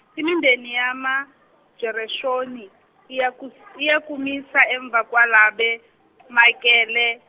imindeni yamaGereshoni iyaku- iyakumisa emva kwetabemakele.